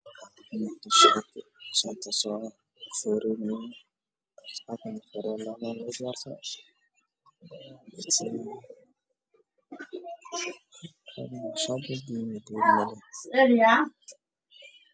Waa shaati midabkiisii yahay caddaan madow